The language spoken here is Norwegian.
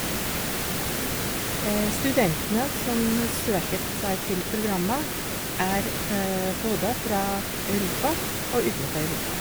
Studentene som søker te seg til programmet er både fra Europa og utenfor Europa.